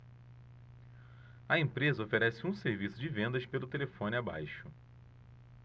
a empresa oferece um serviço de vendas pelo telefone abaixo